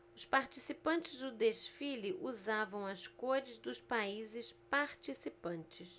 os participantes do desfile usavam as cores dos países participantes